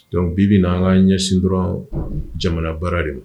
Dɔnkuc bi bɛ na an ka ɲɛsin dɔrɔn jamanabara de